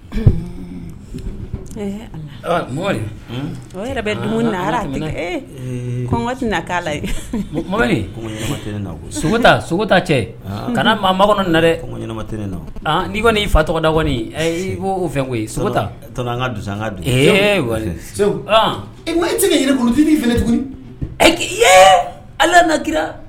Yɛrɛ bɛra cɛ kana maa ma kɔnɔ na ɲɛnamat n'i kɔni fa tɔgɔda i ko o fɛ an ka an ka e ko e tɛ kurutinin fana tuguni ɛ ala na kira